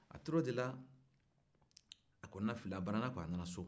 a tora o de la a kɔnɔnafilila a banana kuwa a nana so